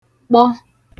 kpọ